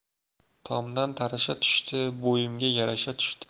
tomdan tarasha tushdi bo'yimga yarasha tushdi